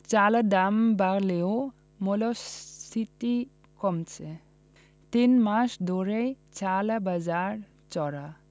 চালের দাম বাড়লেও মূল্যস্ফীতি কমেছে তিন মাস ধরেই চালের বাজার চড়া